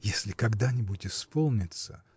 — Если когда-нибудь исполнится.